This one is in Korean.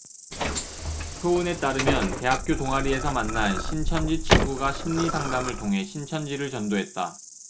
효은에 따르면 대학교 동아리에서 만난 신천지 친구가 심리상담을 통해 신천지를 전도했다